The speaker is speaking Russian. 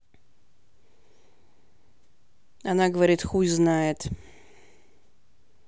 она говорит хуй знает